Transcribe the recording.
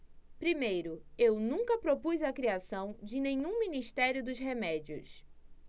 primeiro eu nunca propus a criação de nenhum ministério dos remédios